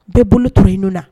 N bɛɛ bolo t i nun na